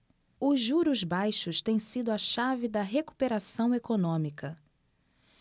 os juros baixos têm sido a chave da recuperação econômica